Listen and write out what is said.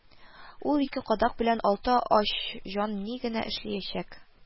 Ул ике кадак белән алты ач җан ни генә эшләячәк